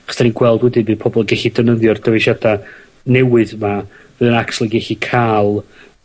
achos 'dan ni'n gweld wedyn bydd pobol yn gallu defnyddio'r dyfeisiada newydd 'ma, fydd yn actually gellu ca'l